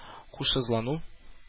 Һушсызлану